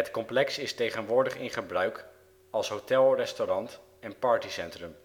complex is tegenwoordig in gebruik als hotel, restaurant en partycentrum